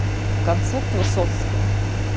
концерт высоцкого